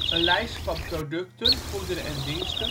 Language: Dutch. een lijst van producten (goederen en diensten